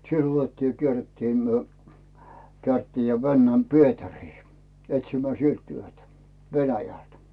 sillä otettiin ja kierrettiin me kierrettiin ja mennään Pietariin etsimään sieltä työtä Venäjältä